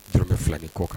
T fila kɔ kan